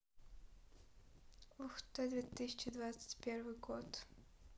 ухта две тысячи двадцать первый год